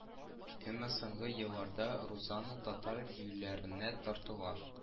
Әмма соңгы елларда Рузанна татар биюләренә тартыла